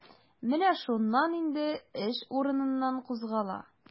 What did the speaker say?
Менә шуннан инде эш урыныннан кузгала.